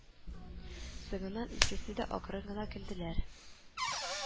Соңыннан икесе дә акрын гына көлделәр